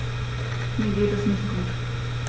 Mir geht es nicht gut.